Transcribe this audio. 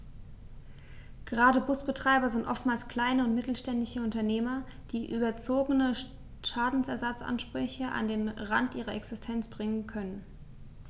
Gerade Busbetreiber sind oftmals kleine und mittelständische Unternehmer, die überzogene Schadensersatzansprüche an den Rand ihrer Existenz bringen können.